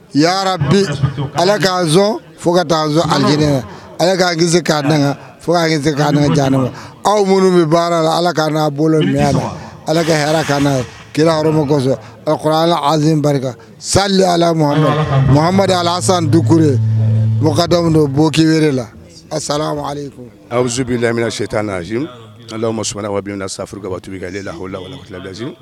Ya bi ala k' fo ka taa ala' gese k' k' jan aw minnu bɛ baara la ala ka'a bolo ala ka'a ye kira yɔrɔmasɔn alaz barika sama alasan duureda bɔki la aw z lammina sez ala ma sumana wa sa furubi la lala